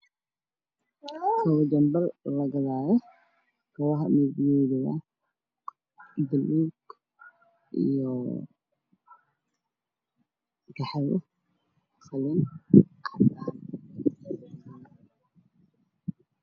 Kobo jabal lagedayo midbkoda waa balug io qaxwi qalin cadan